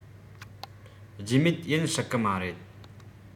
རྒྱུས མེད ཡིན སྲིད གི མ རེད